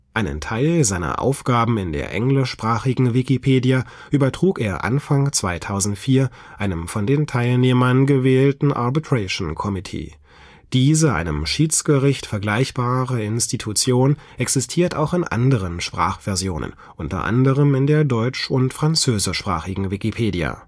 Einen Teil seiner Aufgaben in der englischsprachigen Wikipedia übertrug er Anfang 2004 einem von den Teilnehmern gewählten „ Arbitration committee “. Diese einem Schiedsgericht vergleichbare Institution existiert auch in anderen Sprachversionen, unter anderem in der deutsch - und französischsprachigen Wikipedia